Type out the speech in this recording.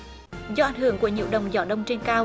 do ảnh hưởng của nhiễu động gió đông trên cao